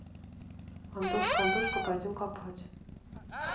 антошка антошка пойдем копать